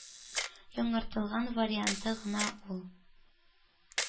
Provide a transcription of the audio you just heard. Яңартылган варианты гына ул.